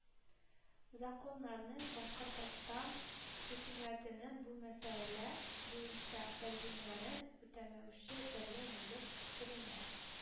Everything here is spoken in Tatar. Законнарны, башкортстан хөкүмәтенең бу мәсьәлә буенча тәкъдимнәрен үтәмәүче төрле милек төренә